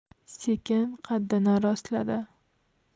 sekin qaddini rostladi